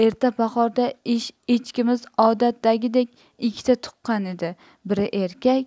erta bahorda echkimiz odatdagidek ikkita tuqqan edi biri erkak